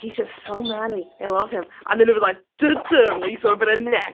"He's just so manly I love him" and then it was like "duh-dum". Then you saw a bit of neck...